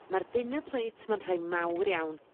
Ma'r dinner plate 'ma'n rhai mawr iawn